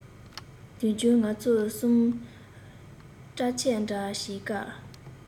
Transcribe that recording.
དུས རྒྱུན ང ཚོ གསུམ པྲ ཆལ འདྲ བྱེད སྐབས